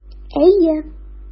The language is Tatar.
Әйе.